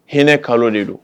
H hinɛ kalo de don